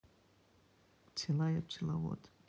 пчела я пчеловод